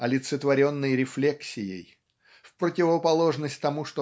олицетворенной рефлексией в противоположность тому